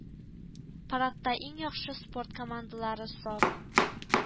Парадта иң яхшы спорт командалары саф